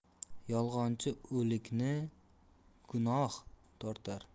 yolg'onchi o'likni guvoh tortar